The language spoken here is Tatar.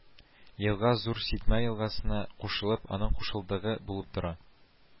Елга Зур Ситьма елгасына кушылып, аның кушылдыгы булып тора